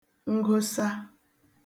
ngosa